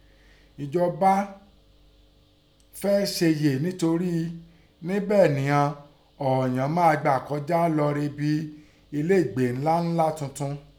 Ẹ̀jọba fẹ́ se yèé ńtorí nẹ́bẹ̀ nìghọn ọ̀ọ̀yàn máa gbà kọjá lọ rebi ielégbèé ǹńlá tuntun.